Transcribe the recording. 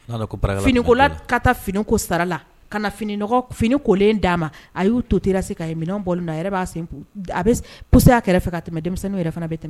Fini ko fini ko sarala ka fini fini kolen d'a ma a y'u tora se minɛn bolo yɛrɛ b'a sen a'a kɛrɛfɛ fɛ ka tɛmɛ denmisɛnnin yɛrɛ fana bɛ tɛmɛ